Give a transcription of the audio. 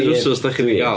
Wsos ydach chi 'di gal?